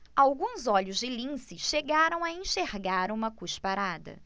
alguns olhos de lince chegaram a enxergar uma cusparada